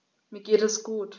Mir geht es gut.